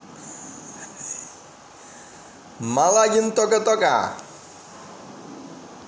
милагин тока тока